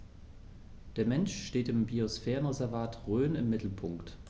Der Mensch steht im Biosphärenreservat Rhön im Mittelpunkt.